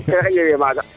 refe maaga